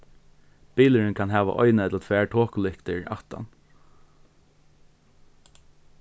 bilurin kann hava eina ella tvær tokulyktir aftan